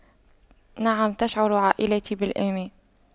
نعم تشعر عائلتي بالأمان